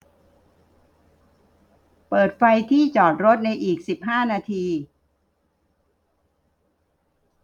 เปิดไฟที่จอดรถในอีกสิบห้านาที